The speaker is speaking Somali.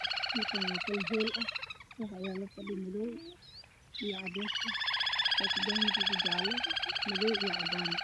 Halkan wa qol hool ah waxyalo fadhi madow io cades ah qolkan waa jale io madow io cadan